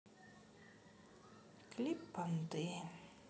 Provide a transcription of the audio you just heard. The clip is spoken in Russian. клип понты